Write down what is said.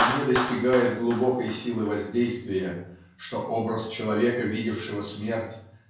и не достигает глубокой силы воздействия что образ человека видевшего смерть